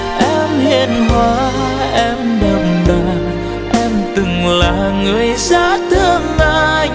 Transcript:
em hiền hòa em đậm đà em từng là người rất thương anh